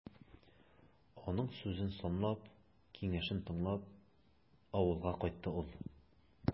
Аның сүзен санлап, киңәшен тыңлап, авылга кайтты ул.